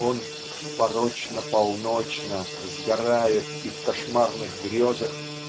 он "порочно-полночно" сгорает и в кошмарных грезах